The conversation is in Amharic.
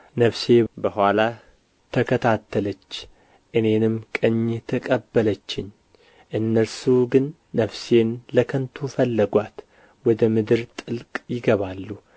ነፍሴ በኋላህ ተከታተለች እኔንም ቀኝህ ተቀበለችኝ እነርሱ ግን ነፍሴን ለከንቱ ፈለጓት ወደ ምድር ጥልቅ ይገባሉ